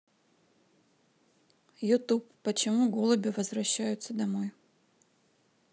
ютуб почему голуби возвращаются домой